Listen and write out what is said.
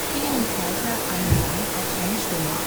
ihnen Zeichner Armin Lang auch seine Stimme